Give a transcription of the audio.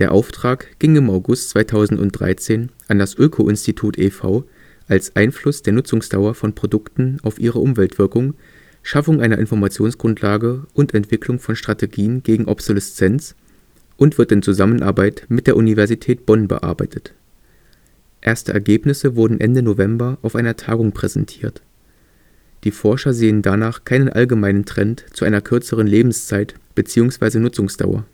Auftrag ging im August 2013 an das Ökoinstitut e.V. als " Einfluss der Nutzungsdauer von Produkten auf ihre Umweltwirkung: Schaffung einer Informationsgrundlage und Entwicklung von Strategien gegen " Obsoleszenz "" und wird in Zusammenarbeit mit der Universität Bonn bearbeitet. Erste Ergebnisse wurden Ende November auf einer Tagung präsentiert. Die Forscher sehen danach keinen allgemeinen Trend zu einer kürzeren Lebenszeit bzw. Nutzungsdauer